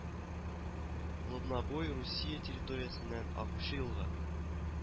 Лыбнабой Русия территориясеннән агучы елга